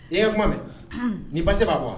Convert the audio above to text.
I ye kuma mɛn nin'i ba se b'a kuwa wa